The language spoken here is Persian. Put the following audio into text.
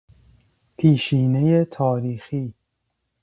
پیشینه تاریخی